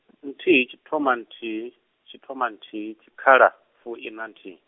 nthihi tshithoma nthihi, tshithoma nthihi tshikhala fuiṋanthihi.